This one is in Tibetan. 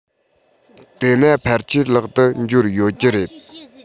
དེས ན ཕལ ཆེར ལག ཏུ འབྱོར ཡོད ཀྱི རེད